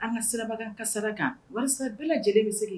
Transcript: An ka siraba ka saraka kan walasa bɛɛ lajɛlen bɛ segin